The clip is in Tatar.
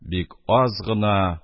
Бик аз гына